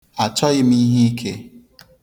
Achọghị m iheike.